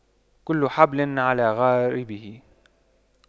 كل حبل على غاربه